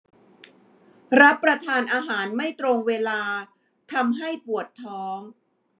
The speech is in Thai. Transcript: รับประทานอาหารไม่ตรงเวลาทำให้ปวดท้อง